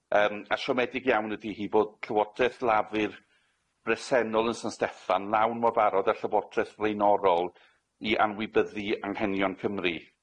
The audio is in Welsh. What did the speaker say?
Yym a siomedig iawn ydi hi fod llywodreth Lafur bresennol yn San Steffan lawn mor barod â'r llywodreth flaenorol i anwybyddu anghenion Cymru.